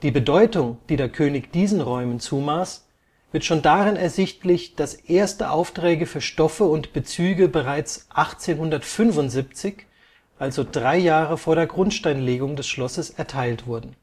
Bedeutung, die der König diesen Räumen zumaß, wird schon darin ersichtlich, dass erste Aufträge für Stoffe und Bezüge bereits 1875, also drei Jahre vor der Grundsteinlegung des Schlosses erteilt wurden